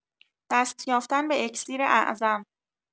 دست‌یافتن به اکسیر اعظم